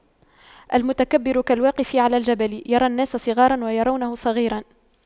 المتكبر كالواقف على الجبل يرى الناس صغاراً ويرونه صغيراً